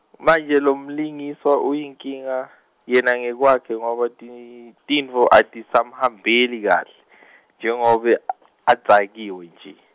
manje lomlingiswa uyinkinga, yena ngekwakhe ngobe ti- tintfo atisamhambeli kahle , njengobe , adzakiwe nje.